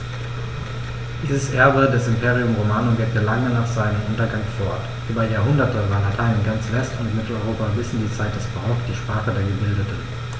Dieses Erbe des Imperium Romanum wirkte lange nach seinem Untergang fort: Über Jahrhunderte war Latein in ganz West- und Mitteleuropa bis in die Zeit des Barock die Sprache der Gebildeten.